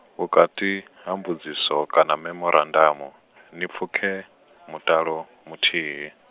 vhukati, ha mbudziso kana memorandamu, ni pfukhe, mutalo, muthihi.